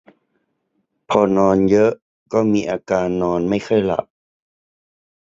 พอนอนเยอะก็มีอาการนอนไม่ค่อยหลับ